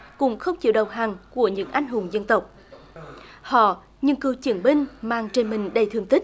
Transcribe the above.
cũng không chịu đồng hành của những anh hùng dân tộc hở nhưng cựu chiến binh mang trên mình đầy thương tích